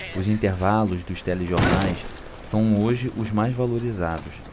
os intervalos dos telejornais são hoje os mais valorizados